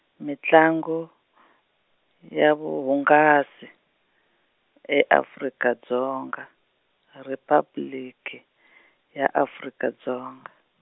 Mintlangu , ya Vuhungasi, e Afrika Dzonga, Riphabliki , ya Afrika Dzonga.